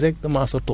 compost boobu